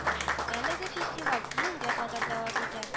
Әлеге фестиваль июньгә кадәр дәвам итә